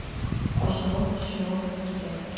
Ашыгып чыгып китә.